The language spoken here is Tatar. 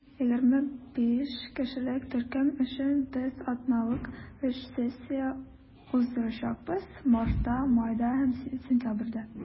25 кешелек төркем өчен без атналык өч сессия уздырачакбыз - мартта, майда һәм сентябрьдә.